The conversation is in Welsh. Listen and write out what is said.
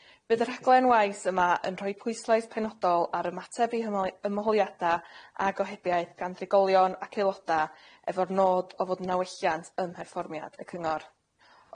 Bydd y rhaglen waith yma yn rhoi pwyslais penodol ar ymateb i ymo- ymholiada a gohebiaeth gan drigolion ac aeloda, efo'r nod o fod yna welliant ym mherfformiad y Cyngor.